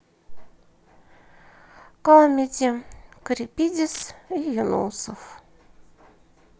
камеди карибидис и юнусов